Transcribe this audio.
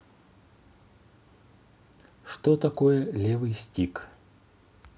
что такое левый стик